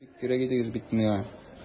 Сез бик кирәк идегез бит миңа!